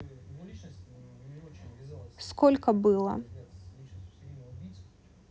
сколько было